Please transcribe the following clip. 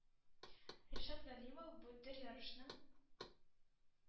Ришат Галимов бу төр ярышның